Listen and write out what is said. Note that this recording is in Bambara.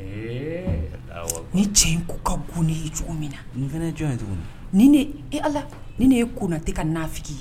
Ni cɛ in ko ka bon ne ye cogo min na nin fana jɔn ni e ala ni ne kona tɛ ka na f ye